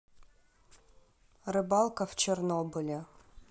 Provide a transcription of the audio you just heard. рыбалка в чернобыле